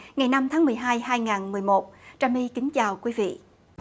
ngày năm tháng mười hai hai ngàn mười một trà my kính chào quý vị